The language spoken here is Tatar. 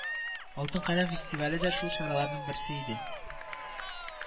Алтын каләм фестивале дә шул чараларның берсе иде